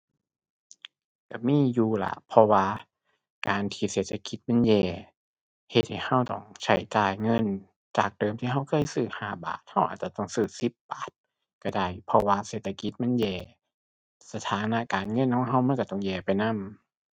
ก็มีอยู่ล่ะ เพราะว่าการที่เศรษฐกิจมันแย่ เฮ็ดให้ก็ต้องใช้จ่ายเงิน จากเดิมที่ก็เคยซื้อห้าบาท ก็อาจจะต้องซื้อสิบบาทก็ได้ เพราะว่าเศรษฐกิจมันแย่ สถานะการเงินของก็มันก็ต้องแย่ไปนำ